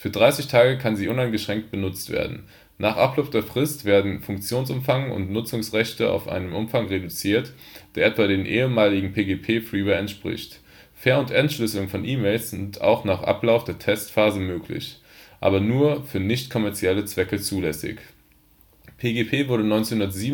30 Tage kann sie uneingeschränkt benutzt werden. Nach Ablauf der Frist werden Funktionsumfang und Nutzungsrechte auf einen Umfang reduziert, der etwa dem ehemaligen PGP Freeware entspricht. Ver - und Entschlüsselung von E-Mails sind auch nach Ablauf der Testphase möglich, aber nur für nichtkommerzielle Zwecke zulässig. PGP wurde 1997